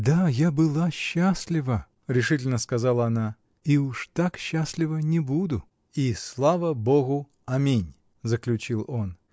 — Да, я была счастлива, — решительно сказала она, — и уже так счастлива не буду! — И слава Богу: аминь! — заключил он.